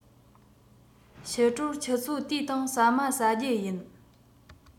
ཕྱི དྲོར ཆུ ཚོད དུའི སྟེང ཟ མ ཟ རྒྱུ ཡིན